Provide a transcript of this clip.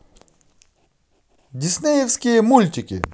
диснеевские мультики